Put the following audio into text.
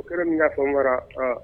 O kɛren min, i ka faamu b'ala,